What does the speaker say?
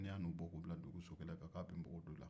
n'i y'a n'u bɔ k'u bila dugu sokɛnɛ kan k'a bɛ npogo don u la